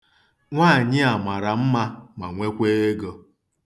Nwaanyị a mara mma ma nweekwa ego.